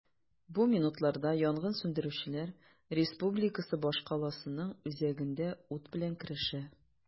Бу минутларда янгын сүндерүчеләр республика башкаласының үзәгендә ут белән көрәшә.